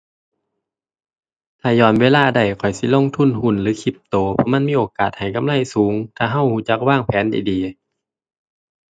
ถ้าย้อนเวลาได้ข้อยสิลงทุนหุ้นหรือคริปโต เพราะมันมีโอกาสให้กำไรสูง ถ้าเราเราจักวางแผนดีดี